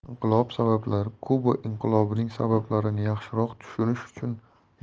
inqilob sabablarikuba inqilobining sabablarini yaxshiroq tushunish uchun